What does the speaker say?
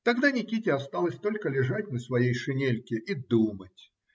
Тогда Никите осталось только лежать на своей шинельке и думать.